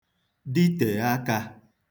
ditè akā